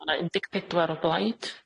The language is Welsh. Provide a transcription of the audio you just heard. Ma' 'na un deg pedwar o blaid.